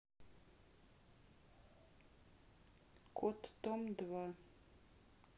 кот том два